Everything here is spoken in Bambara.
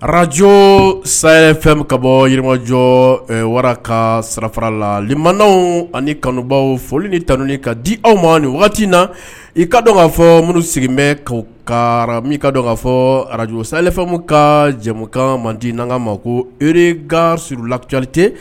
Ararajo saya ye fɛn ka bɔ yirijɔ wara sarara lali maw ani kanubaw foli ni tanun ka di aw ma waati in na i ka dɔn k'a fɔ minnu sigilen bɛ ka ka mini ka dɔn k'a fɔ arajo samu ka jɛkan man di n ka ma ko ere ka slacrite